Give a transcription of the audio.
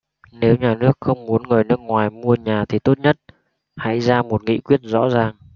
nếu nhà nước không muốn người nước ngoài mua nhà thì tốt nhất hãy ra một nghị quyết rõ ràng